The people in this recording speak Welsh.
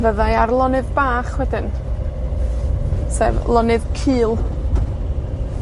Fyddai ar lonydd bach wedyn, sef lonydd cul.